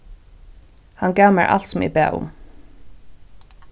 hann gav mær alt sum eg bað um